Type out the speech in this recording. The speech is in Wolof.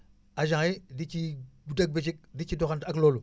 agents yi di ci guddeeg bëccëg di ci di ci doxante ak loolu